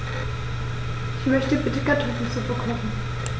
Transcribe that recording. Ich möchte bitte Kartoffelsuppe kochen.